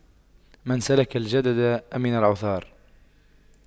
من سلك الجدد أمن العثار